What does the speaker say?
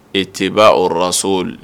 E teba oɔrɔnso